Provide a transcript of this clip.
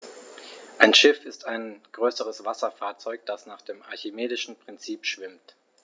Ein Schiff ist ein größeres Wasserfahrzeug, das nach dem archimedischen Prinzip schwimmt.